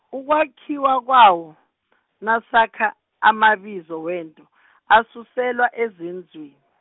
ukwakhiwa kwawo , nasakha amabizo wento , asuselwa ezenzweni.